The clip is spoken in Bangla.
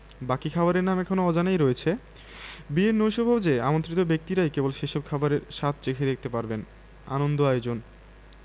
বাকি খাবারের নাম এখনো অজানাই রয়েছে বিয়ের নৈশভোজে আমন্ত্রিত ব্যক্তিরাই কেবল সেসব খাবারের স্বাদ চেখে দেখতে পারবেন আনন্দ আয়োজন